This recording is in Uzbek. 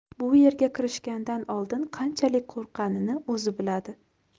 bu yerga kirishdan oldin qanchalik qo'rqqanini o'zi biladi